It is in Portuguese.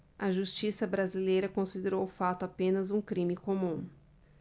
a justiça brasileira considerou o fato apenas um crime comum